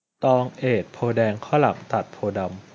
ตองเอดโพธิ์แดงข้าวหลามตัดโพธิ์ดำ